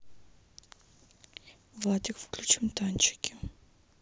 владик включим танчики